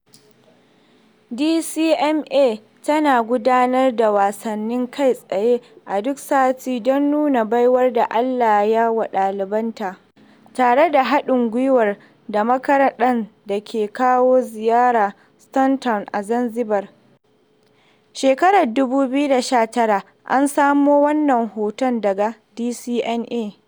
DCMA tana gudanar da wasannin kai tsaye a duk sati don nuna baiwar da Allah ya ba wa ɗalibanta tare da haɗin gwiwa da makaɗan da ke kawo ziyara Stone Town a Zanzibar, 2019. An samo wannan hoto daga DCMA.